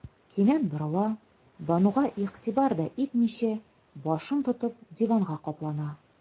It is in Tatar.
Кинәт борыла, Бануга игътибар да итмичә, башын тотып, диванга каплана.